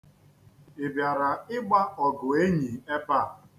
Ị bịara ịgba ọgụ enyi ebe a?